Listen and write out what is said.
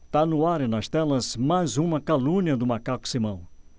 tá no ar e nas telas mais uma calúnia do macaco simão